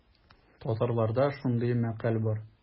Татарларда шундый мәкаль бар.